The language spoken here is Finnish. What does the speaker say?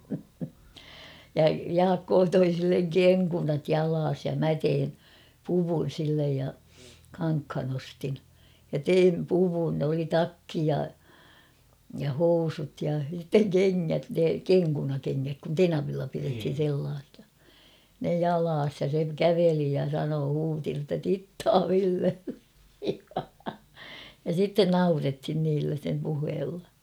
ja Jaakko toi sille kenkunat jalassa ja minä tein puvun sille ja kankaan ostin ja tein puvun oli takki ja ja housut ja sitten kengät ne kenkunakengät kun tenavilla pidettiin sellaisia ne jalassa ja se käveli ja sanoi huusi jotta tittaa Villelle ja sitten naurettiin niillä sen puheella